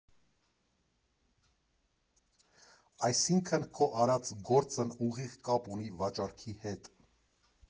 Այսինքն՝ քո արած գործն ուղիղ կապ ունի վաճառքի հետ։